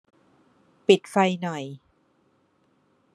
ปิดไฟหน่อย